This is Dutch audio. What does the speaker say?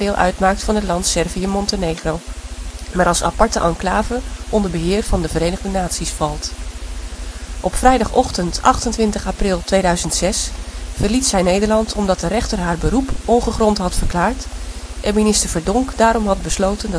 uitmaakt van het land Servië-Montenegro), maar als aparte enclave onder beheer van de Verenigde Naties valt. Op vrijdagochtend 28 april 2006 verliet zij Nederland omdat de rechter haar beroep ongegrond had verklaard en minister Verdonk daarom had besloten